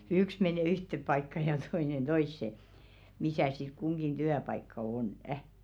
yksi mene yhteen paikkaan ja toinen toiseen missä sitten kunkin työpaikka on